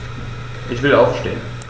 Ich will aufstehen.